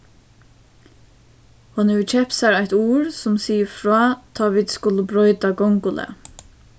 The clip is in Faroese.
hon hevur keypt sær eitt ur sum sigur frá tá vit skulu broyta gongulag